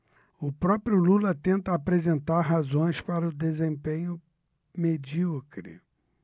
o próprio lula tenta apresentar razões para o desempenho medíocre